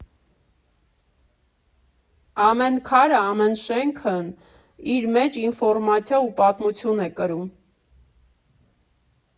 Ամեն քարը, ամեն շենքն իր մեջ ինֆորմացիա ու պատմություն է կրում։